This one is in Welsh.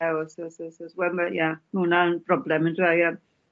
Ew os os os os wel ma' ie, ma' wnna yn broblem on'd yw e ie.